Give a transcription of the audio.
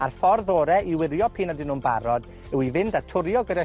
A'r ffordd ore i wirio p'un ydyn nw'n barod yw i fynd a twrio gyda